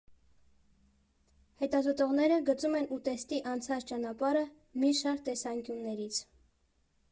Հետազոտողները գծում են ուտեստի անցած ճանապարհը մի շարք տեսանկյուններից։